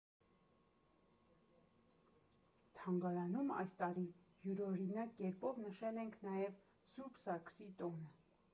Թանգարանում այս տարի յուրօրինակ կերպով նշել ենք նաև Սուրբ Սարգսի տոնը։